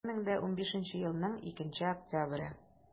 2015 елның 2 октябре